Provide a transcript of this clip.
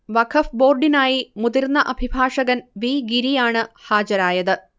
വഖഫ് ബോർഡിനായി മുതിർന്ന അഭിഭാഷകൻ വി ഗിരിയാണ് ഹാജരായത്